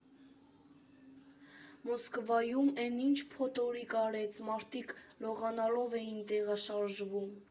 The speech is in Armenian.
Մոսկվայում էն ի՜նչ փոթորիկ արեց՝ մարդիկ լողալով էին տեղաշարժվում։